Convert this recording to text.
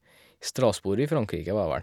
Strasbourg i Frankrike, var det vel.